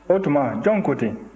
o tuma jɔn ko ten